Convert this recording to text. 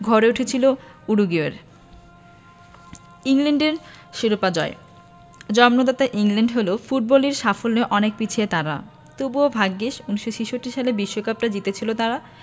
ঘরে উঠেছিল উরুগুয়ের ইংল্যান্ডের শিরোপা জয় জন্মদাতা ইংল্যান্ড হলেও ফুটবলীয় সাফল্যে অনেক পিছিয়ে তারা তবু ভাগ্যিস ১৯৬৬ বিশ্বকাপটা জিতেছিল তারা